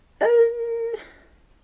ymm...